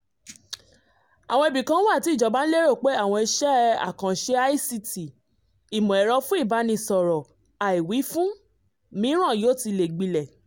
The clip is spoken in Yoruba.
Àwọn ibìkan wà, tí ìjọba ń lérò, pé àwọn iṣẹ́ àkànṣe ICT (Ìmọ̀-ẹ̀rọ fún Ìbánisọ̀rọ̀ a Ìwífún) mìíràn yóò ti le gbilẹ̀.